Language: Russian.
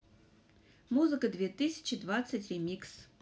музыка две тысячи двадцать ремикс